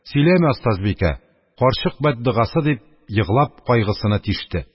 Сөйләмә, остазбикә, карчык бәддогасы... – дип еглап, кайгысыны тиште.